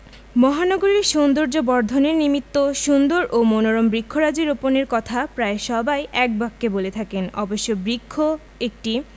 মহানগরীর সৌন্দর্যবর্ধনের নিমিত্ত সুন্দর ও মনোরম বৃক্ষরাজি রোপণের কথা প্রায় সবাই একবাক্যে বলে থাকেন অবশ্য বৃক্ষ একটি